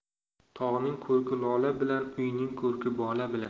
tog'ning ko'rki lola bilan uyning ko'rki bola bilan